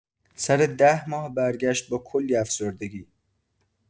سر ۱۰ماه برگشت با کلی افسردگی.